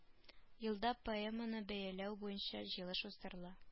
Елда поэманы бәяләү буенча җыелыш уздырыла